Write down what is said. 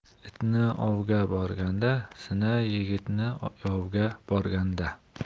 itni ovga borganda sina yigitni yovga borganda